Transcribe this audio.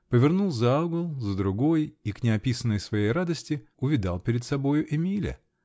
повернул за угол, за другой -- и, к неописанной своей радости, увидал перед собою Эмиля.